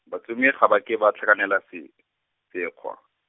batsomi ga ba ke ba tlhakanela se, sekgwa.